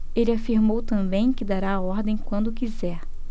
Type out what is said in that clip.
ele afirmou também que dará a ordem quando quiser